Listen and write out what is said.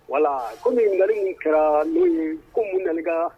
Wala kɔmi ɲali min kɛra min ko mun nali